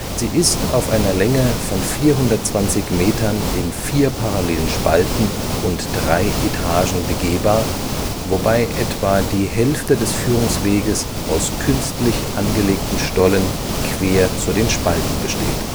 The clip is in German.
Sie ist auf einer Länge von 420 Metern in vier parallelen Spalten und drei Etagen begehbar, wobei etwa die Hälfte des Führungsweges aus künstlich angelegten Stollen quer zu den Spalten besteht